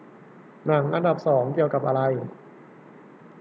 หนังอันดับสองเกี่ยวกับอะไร